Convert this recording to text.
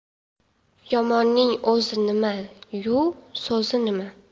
yomonning o'zi nima yu so'zi nima